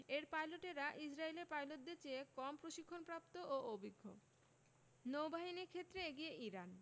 এর পাইলটেরা ইসরায়েলের পাইলটদের চেয়ে কম প্রশিক্ষণপ্রাপ্ত ও অভিজ্ঞ নৌবাহিনীর ক্ষেত্রে এগিয়ে ইরান